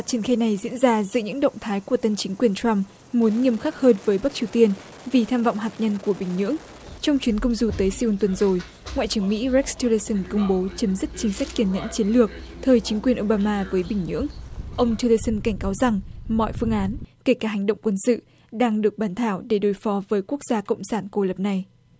trừng khiên này diễn ra giữa những động thái của tân chính quyền trăm muốn nghiêm khắc hơn với bắc triều tiên vì tham vọng hạt nhân của bình nhưỡng trong chuyến công du tới sê un tuần rồi ngoại trưởng mỹ rếch tiu lây sừn công bố chấm dứt chính sách kiên nhẫn chiến lược thời chính quyền ô ba ma với bình nhưỡng ông tiu lây sưn cảnh cáo rằng mọi phương án kể cả hành động quân sự đang được bàn thảo để đối phó với quốc gia cộng sản của luật này